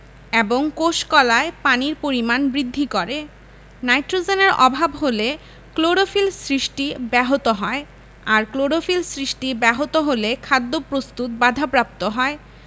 এবং কোষ কলায় পানির পরিমাণ বৃদ্ধি করে নাইট্রোজেনের অভাব হলে ক্লোরোফিল সৃষ্টি ব্যাহত হয় আর ক্লোরোফিল সৃষ্টি ব্যাহত হলে খাদ্য প্রস্তুত বাধাপ্রাপ্ত হয়